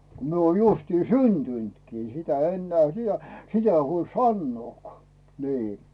kun minä olen justiin syntynytkin sitä enää sitä sitä ei huoli sanoakaan niin